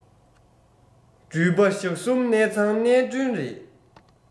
འགྲུལ པ ཞག གསུམ གནས ཚང གནས མགྲོན རེད